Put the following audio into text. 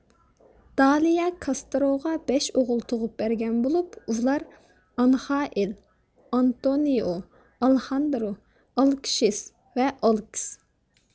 دالىيا كاستروغا بەش ئوغۇل تۇغۇپ بەرگەن بولۇپ ئۇلار ئانخائىل ئانتونىئو ئالېخاندرو ئالېكشىس ۋە ئالېكس